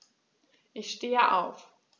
Ich stehe auf.